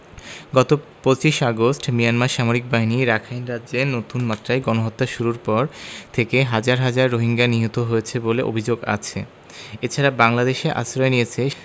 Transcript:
গত ২৫ August Myanmar সামরিক বাহিনী রাখাইন রাজ্যে নতুন মাত্রায় গণহত্যা শুরুর পর থেকে হাজার হাজার রোহিঙ্গা নিহত হয়েছে বলে অভিযোগ আছে এ ছাড়া বাংলাদেশে আশ্রয় নিয়েছে